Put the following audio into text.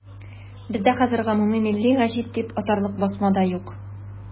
Бездә хәзер гомуммилли гәҗит дип атарлык басма да юк.